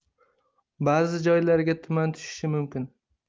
ba'zi joylarga tuman tushishi mumkin